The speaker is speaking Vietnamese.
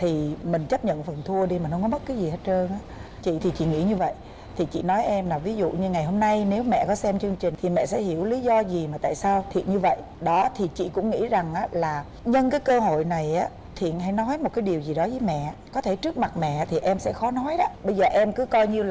thì mình chấp nhận phần thua đi mình không có bất cứ gì hết trơn á chị thì chị nghĩ như vậy thì chị nói em là ví dụ như ngày hôm nay nếu mẹ có xem chương trình thì mẹ sẽ hiểu lý do gì mà tại sao thiệt như vậy đó thì chị cũng nghĩ rằng á là nhân cái cơ hội này á thiện hãy nói một cái điều gì đó với mẹ có thể trước mặt mẹ thì em sẽ khó nói đó bây giờ em cứ coi như